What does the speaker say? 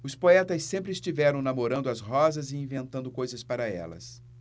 os poetas sempre estiveram namorando as rosas e inventando coisas para elas